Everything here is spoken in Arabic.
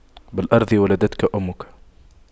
بالأرض ولدتك أمك